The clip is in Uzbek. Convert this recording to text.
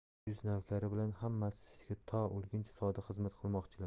uch yuz navkari bilan hammasi sizga to o'lguncha sodiq xizmat qilmoqchilar